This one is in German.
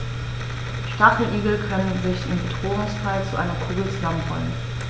Stacheligel können sich im Bedrohungsfall zu einer Kugel zusammenrollen.